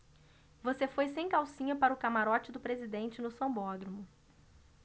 você foi sem calcinha para o camarote do presidente no sambódromo